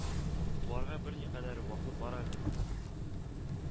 Туарга берникадәр вакыт бар әле дип